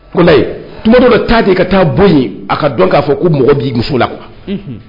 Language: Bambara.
Walayi tuma dɔw la taa ten i ka taa bɔn yen . A ka dɔn ka fɔ ko mɔgɔ bi muso la quoi